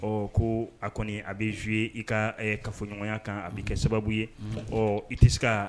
Ɔ ko a kɔni a bɛ zu ye i ka ka fɔɲɔgɔnya kan a bɛ kɛ sababu ye ɔ i tɛ se ka